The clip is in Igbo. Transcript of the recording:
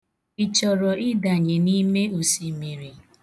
Ị chọrọ ịdanye n'ime osimmiri?